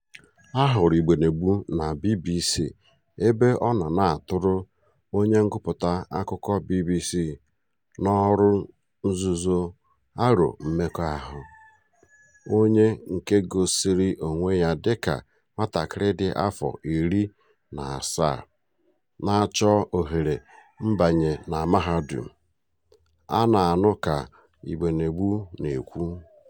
A hụrụ Igbenegbu na BBC ebe ọ na-atụrụ onye ngụpụta akụkọ BBC nọ ọrụ nzuzo aro mmekọahụ, onye nke gosiri onwe ya dị ka nwatakịrị dị afọ 17 na-achọ ohere mbanye na mahadum. A na-anụ ka Igbenegbu na-ekwu: